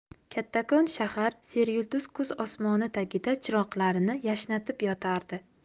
kattakon shahar seryulduz kuz osmoni tagida chiroqlarini yashnatib yotardi